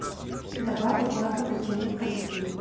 добавь два капучино в корзину